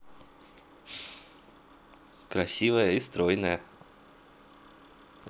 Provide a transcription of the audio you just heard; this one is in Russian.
красивая и стройная